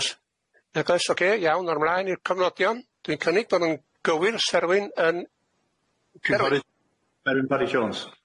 Nag oes, oce, iawn, o'r mlaen i'r cofnodion, dwi'n cynnig bo' nw'n gywir se'rwyn yn... Cynghorydd Berwyn Parry Jones.